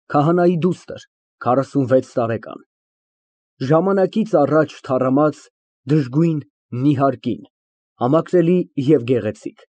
Քահանայի դուստր, քառասունվեց տարեկան, ժամանակից առաջ թառամած, դժգույն, նիհար կին, համակրելի և գեղեցիկ։